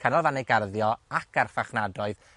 canolfanne garddio, ac archfarchnadoedd,